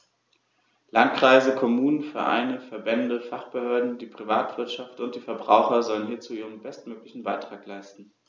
Landkreise, Kommunen, Vereine, Verbände, Fachbehörden, die Privatwirtschaft und die Verbraucher sollen hierzu ihren bestmöglichen Beitrag leisten.